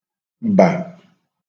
bà